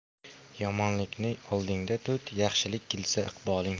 yomonlikni oldingda tut yaxshilik kelsa iqboling